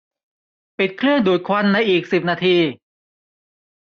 ปิดเครื่องดูดควันในอีกสิบนาที